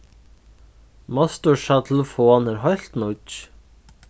mostursa telefon er heilt nýggj